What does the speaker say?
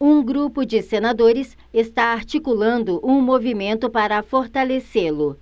um grupo de senadores está articulando um movimento para fortalecê-lo